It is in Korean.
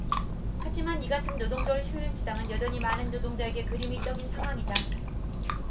하지만 이같은 노동절 휴일수당은 여전히 많은 노동자에게 그림의 떡인 상황이다